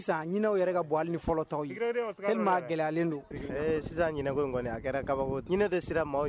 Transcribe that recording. Gɛlɛya sisan ɲinin a kɛra kaba tɛ ye